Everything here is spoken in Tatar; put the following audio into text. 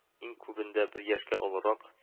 Иң күбендә бер яшкә олорак